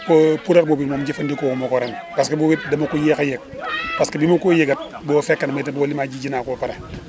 déedéet puudar boobu noonu jëfandikoo wu ma ko ren parce que boobu it dama ko yéex a yëg parce que bi ma koy yëg booba fekk na man i tam li may ji ji naa ko ba pare